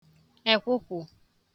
èkwụkwụ̀